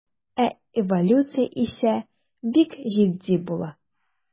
Ә эволюция исә бик җитди була.